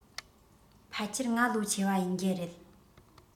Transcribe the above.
ཕལ ཆེར ང ལོ ཆེ བ ཡིན རྒྱུ རེད